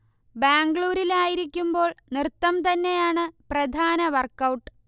ബാംഗ്ലൂരിൽ ആയിരിക്കുമ്ബോൾ നൃത്തംതന്നെയാണ് പ്രധാന വർക്ക് ഔട്ട്